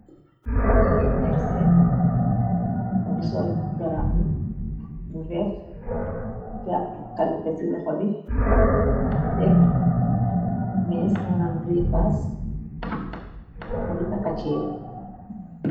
Jigéen ngay seen ngi sol garab bu vert, jàpp kalipe ci loxo bi, def mees naran greefas mungi taka ceen.